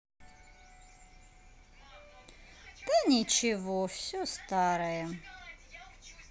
да ничего все старое